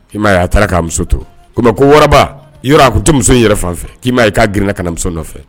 K' a taara k'a muso to kɔmi ko waraba yɔrɔ a to muso in yɛrɛ k'i ye k'a grinina kanami nɔfɛ